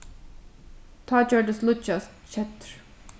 tá gjørdist líggjas keddur